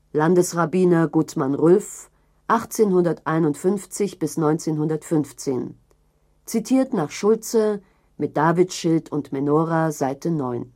Landesrabbiner Gutmann Rülf (1851 – 1915) - zitiert nach Schulze: Mit Davidsschild und Menora, S. 9